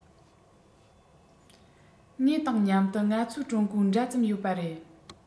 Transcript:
ངེས དང མཉམ དུ ང ཚོ ཀྲུང གོའི འདྲ ཙམ ཡོད པ རེད